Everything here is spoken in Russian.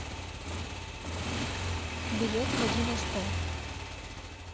билет в один st